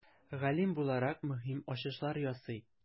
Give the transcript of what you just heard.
Галим буларак, мөһим ачышлар ясый.